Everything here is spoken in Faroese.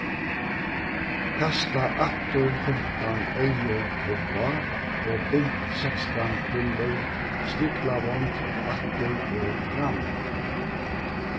kasta aftur fimtan eygu upp á og bint sekstan rillur stiklavond aftur og fram